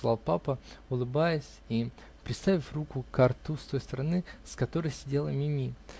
-- сказал папа, улыбаясь и приставив руку ко рту с той стороны, с которой сидела Мими.